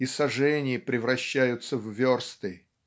и сажени превращаются в версты.